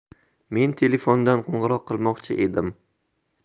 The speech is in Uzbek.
men telefondan qo'ng'iroq qilmoqchi edim